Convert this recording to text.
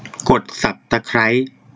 กดสับตะไคร้